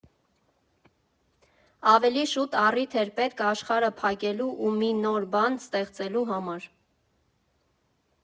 Ավելի շուտ առիթ էր պետք աշխարհը փակելու ու մի նոր բան ստեղծելու համար։